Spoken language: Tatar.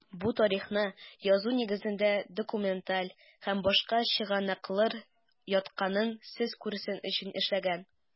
Бу тарихны язу нигезенә документаль һәм башка чыгынаклыр ятканын сез күрсен өчен эшләнгән.